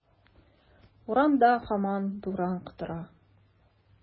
Урамда һаман буран котыра.